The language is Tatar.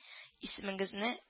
Исемегезне